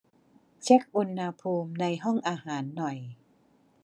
เช็คอุณหภูมิในห้องอาหารหน่อย